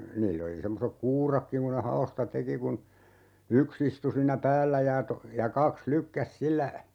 niillä oli semmoiset kuuratkin kun ne haosta teki kun yksi istui siinä päällä ja - ja kaksi lykkäsi sillä